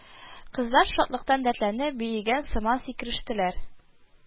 Кызлар, шатлыктан дәртләнеп, биегән сыман сикерештеләр: